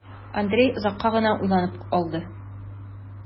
Андрей озак кына уйланып алды.